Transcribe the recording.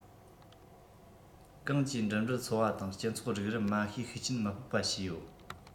གངས ཀྱིས འགྲིམ འགྲུལ འཚོ བ དང སྤྱི ཚོགས སྒྲིག རིམ དམའ ཤོས ཤུགས རྐྱེན མི ཕོག པ བྱས ཡོད